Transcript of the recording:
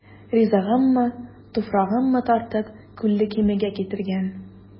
Ризыгыммы, туфрагыммы тартып, Күлле Кимегә китергән.